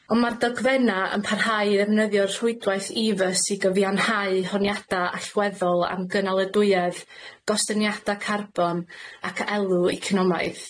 On' ma'r dogfenna' yn parhau i ddefnyddio'r rhwydwaith ee fus i gyfiawnhau honiada' allweddol am gynaladwyedd, gostyniada' carbon, ac elw economaidd.